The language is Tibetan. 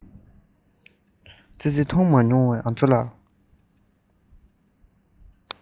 ཙི ཙི མཐོང མ མྱོང བའི ང ཚོ ལ